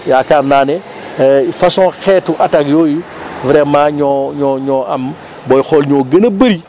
yaakaar ne façon xeetu attaque yooyu vraiment ñoo ñoo ñoo am booy xool ñoo gën a bëri